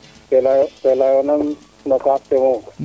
ke leyona no kaaf ke moom